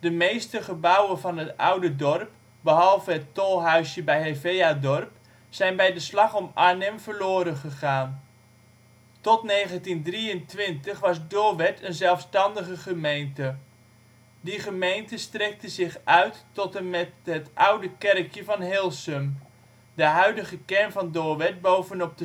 meeste gebouwen van het oude dorp, behalve het tolhuisje bij Heveadorp, zijn bij de slag om Arnhem verloren gegaan. Tot 1923 was Doorwerth een zelfstandige gemeente. Die gemeente strekte zich uit tot en met het oude kerkje van Heelsum. De huidige kern van Doorwerth bovenop